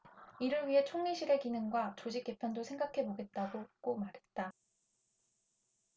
이를 위해 총리실의 기능과 조직 개편도 생각해보겠다고고 말했다